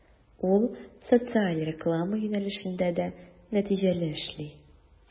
Ул социаль реклама юнәлешендә дә нәтиҗәле эшли.